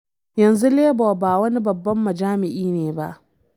Yanzu Labour ba wani babban majami’a ne ba.